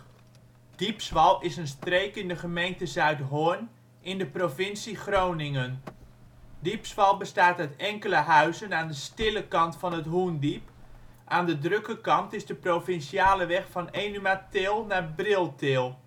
Diepswal is een streek in de gemeente Zuidhorn in de provincie Groningen. Diepswal bestaat uit enkele huizen aan de " stille " kant van het Hoendiep — aan de " drukke " kant is de provinciale weg van Enumatil naar Briltil